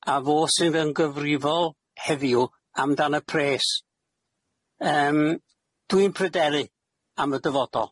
a fo sydd yn gyfrifol heddiw amdan y pres. Yym, dwi'n pryderu am y dyfodol.